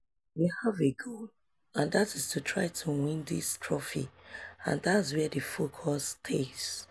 We have a goal, and that is to try to win this trophy, and that's where the focus stays.